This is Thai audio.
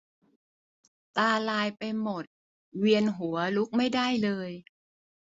ตาลายไปหมดเวียนหัวลุกไม่ได้เลย